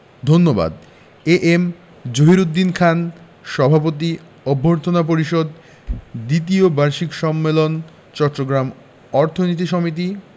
ধন্যবাদ A M Zahiruddin Khan সভাপতি অভ্যর্থনা পরিষদ দ্বিতীয় বার্ষিক সম্মেলন চট্টগ্রাম অর্থনীতি সমিতি